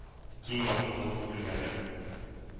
Киң, матур булып күренәләр.